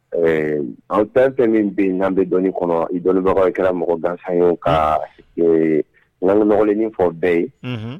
Ɛɛ an fɛnte min bɛ' bɛ dɔnnii kɔnɔ dɔnnibagaw kɛra mɔgɔ gan kalan nɔgɔin fɔ bɛɛ yen